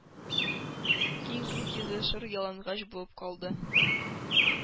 Киң күк йөзе шыр-ялангач булып калды,